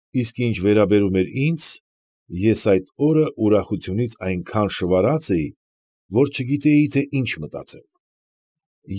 Իսկ ինչ վերաբերում էր ինձ, ես այդ օրն ուրախութենից այնքան շվարած էի, որ չգիտեի, թե ինչ մտածեմ։